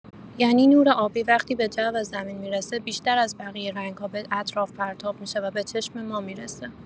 یعنی نور آبی وقتی به جو زمین می‌رسه، بیشتر از بقیه رنگ‌ها به اطراف پرتاب می‌شه و به چشم ما می‌رسه.